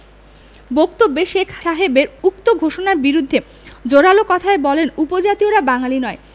বক্তব্যে শেখ সাহেবের উক্ত ঘোষণার বিরুদ্ধে জোরালো কথায় বলেন উপজাতীয়রা বাঙালি নয়